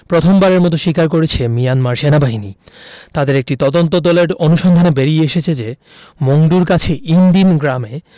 প্রথমবারের মতো স্বীকার করেছে মিয়ানমার সেনাবাহিনী তাদের একটি তদন্তদলের অনুসন্ধানে বেরিয়ে এসেছে যে মংডুর কাছে ইনদিন গ্রামে